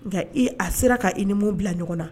Nka a sera ka i ni bila ɲɔgɔn na